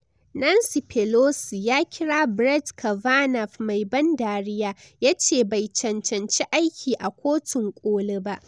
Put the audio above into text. Nancy Pelosi ya kira Brett Kavanaugh "mai ban dariya," ya ce bai cacanci aiki a Kotun Koli ba